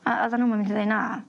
A oddan nw'm yn gallu deud na.